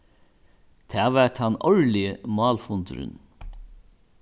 tað var tann árligi málfundurin